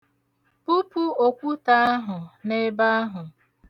Bupụ okwute ahụ n'ebe ahụ.